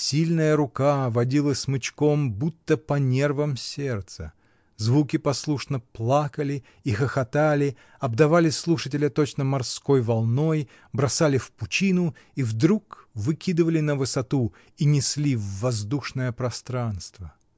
Сильная рука водила смычком, будто по нервам сердца: звуки послушно плакали и хохотали, обдавали слушателя точно морской волной, бросали в пучину и вдруг выкидывали на высоту и несли в воздушное пространство.